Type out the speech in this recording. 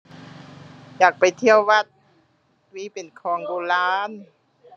อยากไปเที่ยววัด มีเป็นของโบราณ